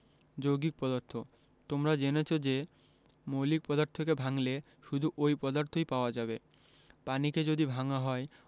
যৌগিক পদার্থ তোমরা জেনেছ যে মৌলিক পদার্থকে ভাঙলে শুধু ঐ পদার্থই পাওয়া যাবে পানিকে যদি ভাঙা হয়